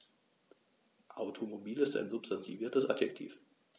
Automobil ist ein substantiviertes Adjektiv.